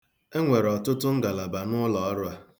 E nwere ọtụtụ ngalaba n'ụlọọrụ a.